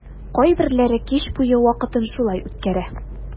Кайберләре кич буе вакытын шулай үткәрә.